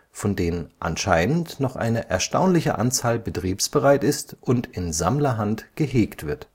von denen anscheinend noch eine erstaunliche Anzahl betriebsbereit ist und in Sammlerhand gehegt wird